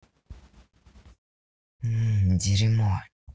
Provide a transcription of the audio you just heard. дерьмо